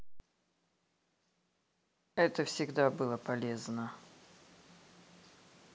это всегда было полезно